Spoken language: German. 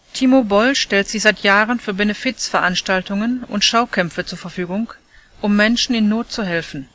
Timo Boll stellt sich seit Jahren für Benefiz-Veranstaltungen und Schaukämpfe zur Verfügung, um Menschen in Not zu helfen